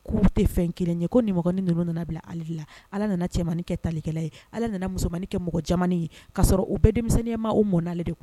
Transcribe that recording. K'u tɛ fɛn kelen ye, ko nimɔgɔnin ninnu nana bila ale de la, allah nana cɛmani kɛ talikɛla ye, allah nana musomani kɛ mɔgɔ jamanen ye k'a sɔrɔ u bɛɛ denmisɛninma mɔnna ale de bolo.